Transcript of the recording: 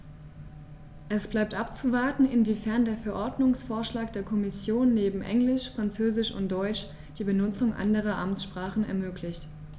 Es bleibt abzuwarten, inwiefern der Verordnungsvorschlag der Kommission neben Englisch, Französisch und Deutsch die Benutzung anderer Amtssprachen ermöglicht.